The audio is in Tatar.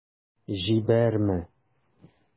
Җибәрмә...